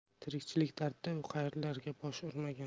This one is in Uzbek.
tirikchilik dardida u qayerlarga bosh urmagan